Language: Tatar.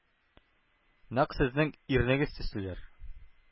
Нәкъ сезнең ирнегез төслеләр.